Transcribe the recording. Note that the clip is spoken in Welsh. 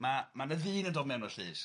Ma- ma' 'na ddyn yn dod mewn i'r llys